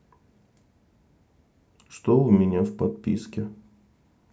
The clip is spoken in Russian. что у меня в подписке